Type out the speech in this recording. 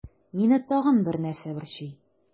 Мине тагын бер нәрсә борчый.